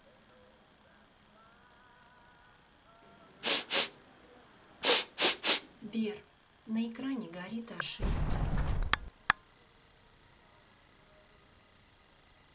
сбер на экране горит ошибка